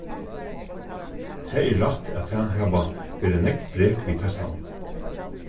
tað er rætt at tað hava verið nógv brek við teistanum